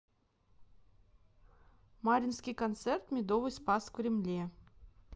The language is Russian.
мариинский концерт медовый спас в кремле